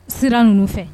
Sira ninnu fɛ